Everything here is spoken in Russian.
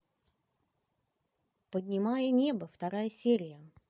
поднимая небо вторая серия